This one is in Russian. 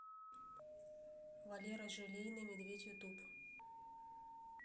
валера желейный медведь ютуб